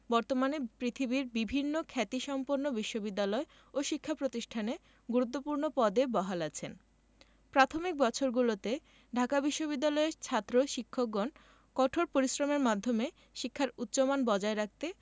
বর্তমানে পৃথিবীর বিভিন্ন খ্যাতিসম্পন্ন বিশ্ববিদ্যালয় ও শিক্ষা প্রতিষ্ঠানে গুরুত্বপূর্ণ পদে বহাল আছেন প্রাথমিক বছরগুলুতে ঢাকা বিশ্ববিদ্যালয়ের ছাত্র শিক্ষকগণ কঠোর পরিশ্রমের মাধ্যমে শিক্ষার উচ্চমান বজায় রাখতে